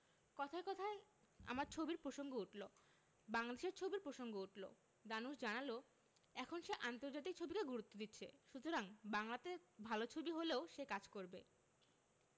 কথায় কথায় আমার ছবির প্রসঙ্গ উঠলো বাংলাদেশের ছবির প্রসঙ্গ উঠলো ধানুশ জানালো এখন সে আন্তর্জাতিক ছবিকে গুরুত্ব দিচ্ছে সুতরাং বাংলাতে ভালো ছবি হলেও সে কাজ করবে